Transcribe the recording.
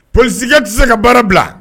Psikɛ tɛ se ka baara bila